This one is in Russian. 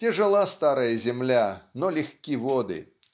Тяжела старая земля, но легки воды